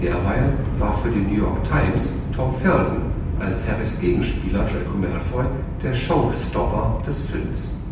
Derweil war für die New York Times Tom Felton als Harrys Gegenspieler Draco Malfoy der „ Showstopper “des Films